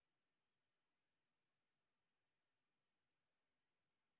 цыгане поют на баяне